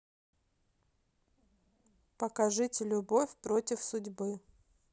покажите любовь против судьбы